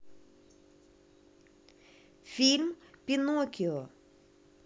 фильм пинокио